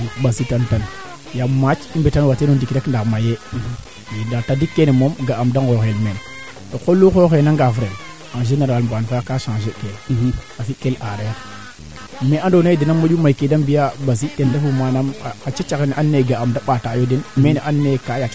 ndaa o qol le kaa jambo fodir koy parce que a fiya nga pant i njegaan o qolo leŋ mene to ga''anum kaa yip el engrais yee roog fee demb na a fudnin a mbisin a fiya nga pant aussi kaa waña recolte fee rendement fee te warna jeg ndaa ole moƴna teen moom a fodra nga daal a jega teen solo lool iyo a jega teen solo lool